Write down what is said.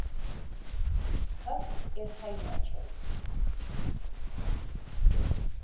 høgt er heimakeyp